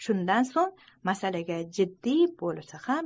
shundan so'ng masala jiddiy bo'lsa